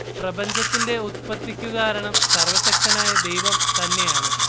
പ്രപഞ്ചത്തിന്റെ ഉത്പ്പത്തിക്കുകാരണം സർവശക്തനായ ദൈവം തന്നെയാണ്